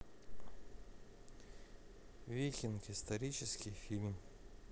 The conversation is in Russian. викинг исторический фильм